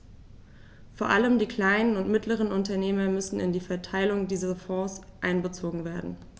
Vor allem die kleinen und mittleren Unternehmer müssen in die Verteilung dieser Fonds einbezogen werden.